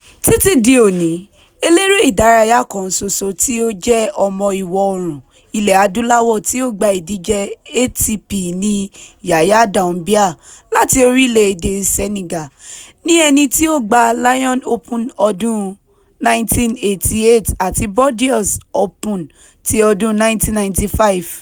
Títí di òní, eléré ìdárayá kan soso tí ó jẹ́ ọmọ Ìwọ̀ Oòrùn Ilẹ̀ Adúláwò tí ó gba ìdíje ATP ni Yahya Doumbia láti orílẹ̀ èdè Senegal, ní ẹni tí ó gba Lyon Open ọdún 1988 àti Bordeaux Open ti ọdún 1995.